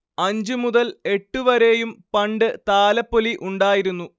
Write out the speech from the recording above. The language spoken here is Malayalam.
അഞ്ചു മുതൽ എട്ട് വരെയും പണ്ട് താലപ്പൊലി ഉണ്ടായിരുന്നു